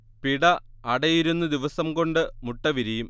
പിട അടയിരുന്നു് ദിവസംകൊണ്ട് മുട്ട വിരിയും